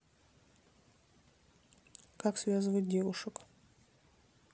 как связывать девушек